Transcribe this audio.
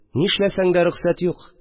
Нишләсәң дә рөхсәт юк